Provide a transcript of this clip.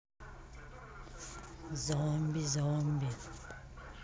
zombie zombie